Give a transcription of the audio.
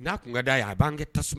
N'a kun ka da a ye a b'an kɛ tasuma